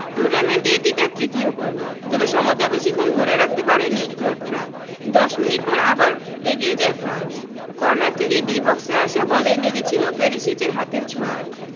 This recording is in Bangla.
টুর্নামেন্টে এটি তার তৃতীয় গোল তবে সমতা বেশিক্ষণ ধরে রাখতে পারেনি ক্রোটরা ১০ মিনিট পর আবার এগিয়ে যায় ফ্রান্স কর্নার থেকে ডি বক্সে আসা বলে লেগেছিল পেরিসিচের হাতের ছোঁয়া